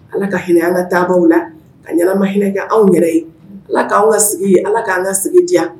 Ala ka hinɛ an ka taa la ka ɲɛnama hinɛ kɛ anw yɛrɛ ye ala k'an ka sigi ala k'an ka sigi diya